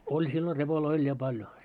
oli silloin repoja oli ja paljon